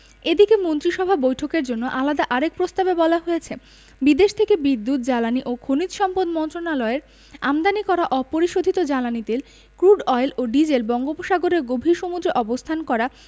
এদিকে মন্ত্রিসভা বৈঠকের জন্য আলাদা আরেক প্রস্তাবে বলা হয়েছে বিদেশ থেকে বিদ্যুৎ জ্বালানি ও খনিজ সম্পদ মন্ত্রণালয়ের আমদানি করা অপরিশোধিত জ্বালানি তেল ক্রুড অয়েল ও ডিজেল বঙ্গোপসাগরের গভীর সমুদ্রে অবস্থান করা